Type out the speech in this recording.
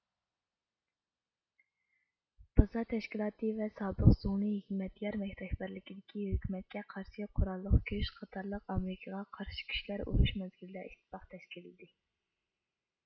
بازا تەشكىلاتى ۋە سابىق زۇڭلى ھىكمەتيار رەھبەرلىكىدىكى ھۆكۈمەتكە قارشى قوراللىق كۈچلەر قاتارلىق ئامېرىكىغا قارشى كۈچلەر ئۇرۇش مەزگىلىدىكى ئىتتىپاق تەشكىللىدى